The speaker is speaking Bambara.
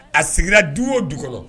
A sigira du o du kɔnɔ